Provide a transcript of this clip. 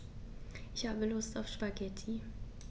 Ich habe Lust auf Spaghetti.